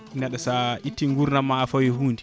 neɗɗo s aittu gurdam ma a faawe hunde